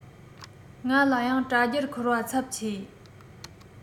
ང ལ ཡང དྲ རྒྱར འཁོར བ འཚབ ཆེ